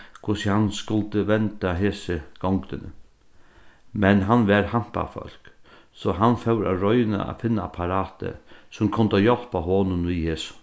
hvussu hann skuldi venda hesi gongdini men hann var hampafólk so hann fór at royna at finna apparatið sum kundi hjálpa honum við hesum